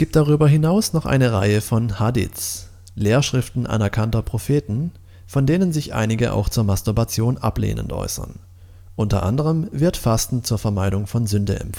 darüber hinaus noch eine Reihe von Hadiths (Lehrschriften anerkannter Propheten), von denen sich einige auch zur Masturbation ablehnend äußern. U.a. wird Fasten zur Vermeidung von Sünde